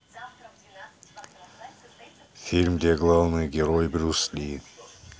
фильм где главный герой брюс ли